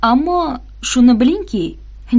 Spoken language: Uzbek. ammo shuni bilingki